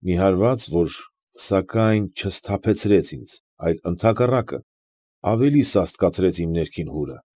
Մի հարված. որ, սակայն, չսթափեցրեց ինձ, այլ ընդհակառակը ավելի սաստկացրեց իմ ներքին հուրը։